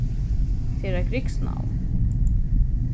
tað er eitt grikskt navn